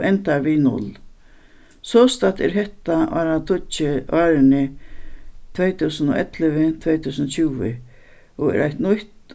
og endar við null sostatt er hetta áratíggju árini tvey túsund og ellivu tvey túsund og tjúgu og er eitt nýtt